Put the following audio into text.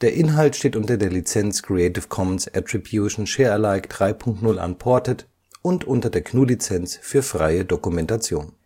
Inhalt steht unter der Lizenz Creative Commons Attribution Share Alike 3 Punkt 0 Unported und unter der GNU Lizenz für freie Dokumentation